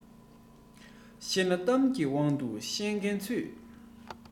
བཤད ན གཏམ གྱི དབང དུ བཤད མཁན ཚུད